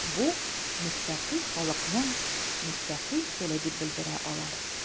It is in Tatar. Бу – мөстәкыйль халыкның мөстәкыйль теле дип белдерә алар.